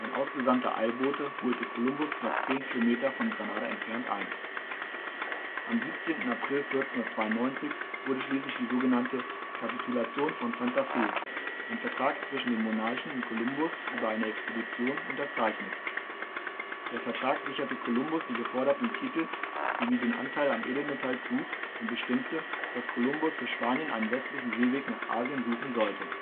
ausgesandter Eilbote holte Kolumbus knapp 10 Kilometer von Granada entfernt ein. Am 17. April 1492 wurde schließlich die sogenannte „ Kapitulation von Santa Fé “, ein Vertrag zwischen den Monarchen und Kolumbus über eine Expedition, unterzeichnet. Der Vertrag sicherte Kolumbus die geforderten Titel sowie den Anteil am Edelmetall zu und bestimmte, dass Kolumbus für Spanien einen westlichen Seeweg nach Asien suchen sollte